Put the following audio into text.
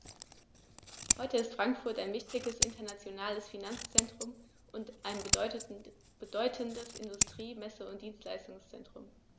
Heute ist Frankfurt ein wichtiges, internationales Finanzzentrum und ein bedeutendes Industrie-, Messe- und Dienstleistungszentrum.